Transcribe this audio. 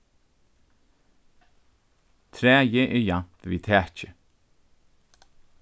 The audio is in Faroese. træið er javnt við takið